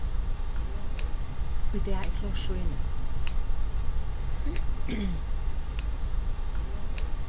í dag er klárt sýni